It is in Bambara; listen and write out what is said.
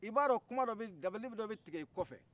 i b'a dɔn kuma dɔ bɛ dabali dɔ bɛ tigɛ i kɔfɛ